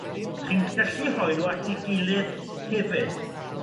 Chi gallu rhoi n'w at ei gilydd hefyd